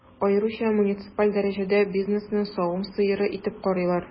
Аеруча муниципаль дәрәҗәдә бизнесны савым сыеры итеп карыйлар.